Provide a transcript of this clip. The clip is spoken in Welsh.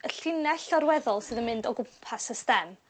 y llinell llorweddol sydd yn mynd o gwmpas y stem.